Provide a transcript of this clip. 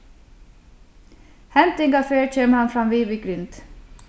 hendingaferð kemur hann framvið við grind